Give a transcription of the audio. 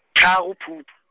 tharo Phupu.